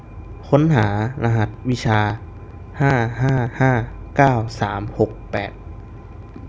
ค้นหารหัสวิชาห้าห้าห้าเก้าสามหกแปด